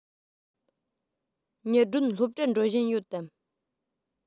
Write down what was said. ཉི སྒྲོན སློབ གྲྭར འགྲོ བཞིན ཡོད དམ